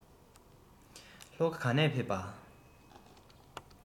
ལྷོ ཁ ག ནས ཕེབས པྰ